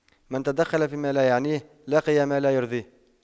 من تَدَخَّلَ فيما لا يعنيه لقي ما لا يرضيه